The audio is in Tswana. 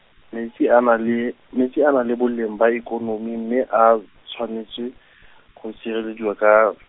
metsi a na le, metsi a na le boleng ba ikonomi me a, tshwanetse, go sirelediwa ka.